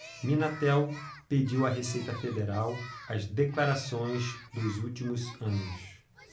minatel pediu à receita federal as declarações dos últimos anos